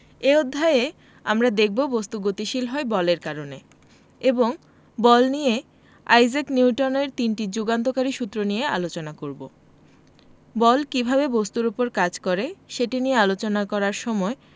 এই অধ্যায়ে আমরা দেখব বস্তু গতিশীল হয় বলের কারণে এবং বল নিয়ে আইজাক নিউটনের তিনটি যুগান্তকারী সূত্র নিয়ে আলোচনা করব বল কীভাবে বস্তুর উপর কাজ করে সেটি নিয়ে আলোচনা করার সময়